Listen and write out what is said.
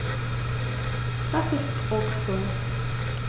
Das ist ok so.